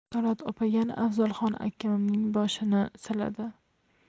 risolat opa yana afzalxon akamning boshini siladi